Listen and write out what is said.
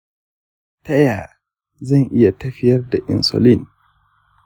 ta ya zan iya tafiya da insulin?